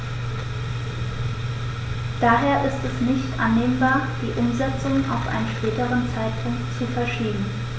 Daher ist es nicht annehmbar, die Umsetzung auf einen späteren Zeitpunkt zu verschieben.